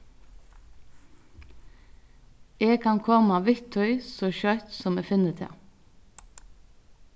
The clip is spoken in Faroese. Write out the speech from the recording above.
eg kann koma við tí so skjótt sum eg finni tað